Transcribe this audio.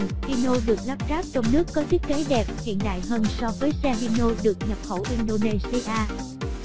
hino được lắp ráp trong nước được thiết kế đẹp hiện đại hơn so với xe hino được nhập khẩu indonesia